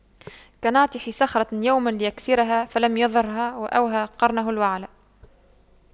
كناطح صخرة يوما ليكسرها فلم يضرها وأوهى قرنه الوعل